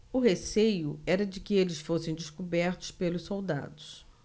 o receio era de que eles fossem descobertos pelos soldados